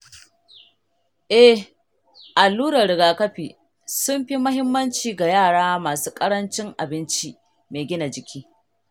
eh, alluran rigakafi sun fi muhimmanci ga yara masu ƙarancin abinci mai gina jiki.